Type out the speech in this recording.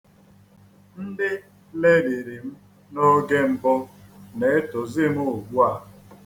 Ndị leliri m n'oge mbụ na-etozi m ugbua.